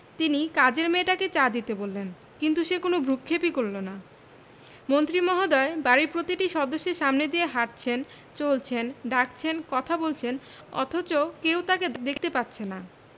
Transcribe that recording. তিনি কাজের মেয়েটাকে চা দিতে বললেন কিন্তু সে কোনো ভ্রুক্ষেপই করল না মন্ত্রী মহোদয় বাড়ির প্রতিটি সদস্যের সামনে দিয়ে হাঁটছেন চলছেন ডাকছেন কথা বলছেন অথচ কেউ তাঁকে দেখতে পাচ্ছে না